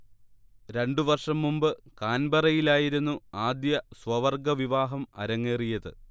രണ്ടു വർഷം മുമ്പ് കാൻബറയിലായിരുന്നു ആദ്യ സ്വവർഗ വിവാഹം അരങ്ങേറിയത്